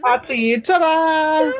A ti. Ta ra!